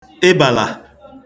ịbàlà